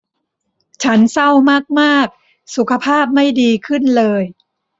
ฉันเศร้ามากมากสุขภาพไม่ดีขึ้นเลย